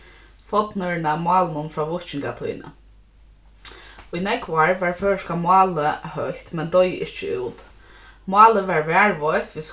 fornnorrøna málinum frá víkingatíðini í nógv ár varð føroyska málið hótt men doyði ikki út málið varð varðveitt við